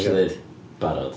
Wnes i ddeud "barod".